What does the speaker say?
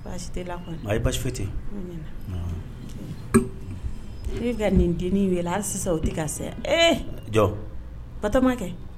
Tɛ la a ye basi foyi tɛ ka nin deni weele hali sisan o tɛ ka se jɔn batoma kɛ